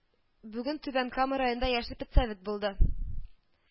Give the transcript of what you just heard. Бүген Түбән Кама районында Яшел педсовет булды